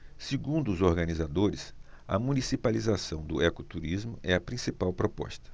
segundo os organizadores a municipalização do ecoturismo é a principal proposta